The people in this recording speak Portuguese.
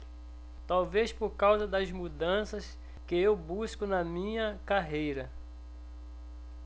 talvez por causa das mudanças que eu busco na minha carreira